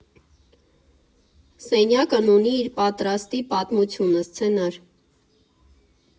Սենյակն ունի իր պատրաստի պատմությունը, սցենար։